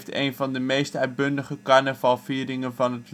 een van de meest uitbundige carnavalvieringen van